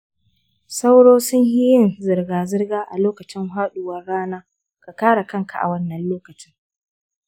sauro sunfi yin zirga-zirga a lokacin faduwar rana; ka kare kanka a wannan lokacin.